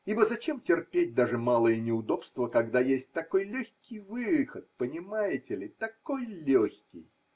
Ибо зачем терпеть даже малое неудобство, когда есть такой легкий выход, понимаете ли, такой легкий?!